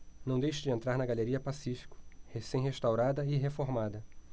não deixe de entrar na galeria pacífico recém restaurada e reformada